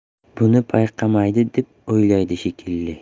buni payqamaydi deb o'ylaydi shekilli